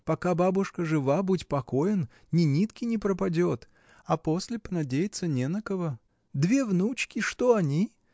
Пока бабушка жива, будь покоен, ни нитки не пропадет, а после понадеяться не на кого. Две внуки — что они?